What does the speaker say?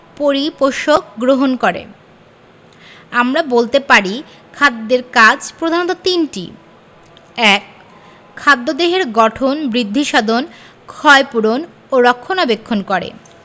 পরিপোষক গ্রহণ করে আমরা বলতে পারি খাদ্যের কাজ প্রধানত তিনটি ১. খাদ্য দেহের গঠন বৃদ্ধিসাধন ক্ষয়পূরণ ও রক্ষণাবেক্ষণ করে